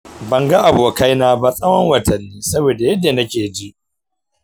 ban ga abokaina ba tsawon watanni saboda yadda nake ji.